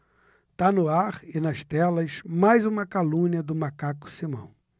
tá no ar e nas telas mais uma calúnia do macaco simão